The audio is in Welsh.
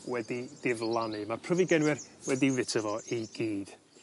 wedi diflannu ma'r pryfigenwyr wedi'i fito fo i gyd.